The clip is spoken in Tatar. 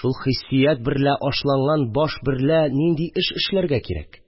шул хиссият берлә ашланган баш берлә нинди эш эшләргә кирәк